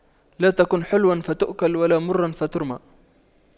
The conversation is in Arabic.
لا تكن حلواً فتؤكل ولا مراً فترمى